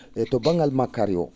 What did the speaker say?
e to banggal makkari o